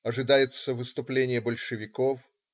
Ожидается выступление большевиков.